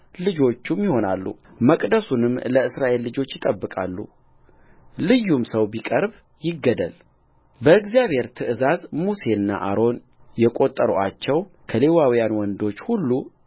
ልጆቹም ይሆናሉ መቅደሱንም ለእስራኤል ልጆች ይጠብቃሉ ልዩም ሰው ቢቀርብ ይገደልበእግዚአብሔር ትእዛዝ ሙሴና አሮን የቈጠሩአቸው ከሌዋውያን ወንዶች ሁሉ